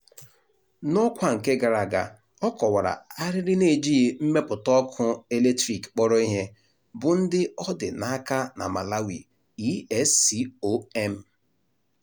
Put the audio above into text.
N'ọkwa nke gara aga, ọ kwara arịrị n'ejighi mmepụta ọkụ eletrik kpọrọ ihe bụ ndị ọ dị n'aka na Malawi ESCOM.